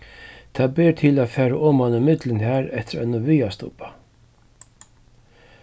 tað ber til at fara oman ímillum har eftir einum vegarstubba